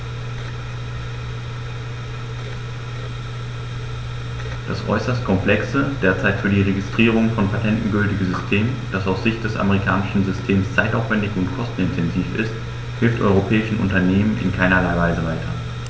Das äußerst komplexe, derzeit für die Registrierung von Patenten gültige System, das aus Sicht des amerikanischen Systems zeitaufwändig und kostenintensiv ist, hilft europäischen Unternehmern in keinerlei Weise weiter.